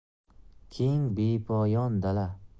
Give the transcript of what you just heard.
keng bepoyon dala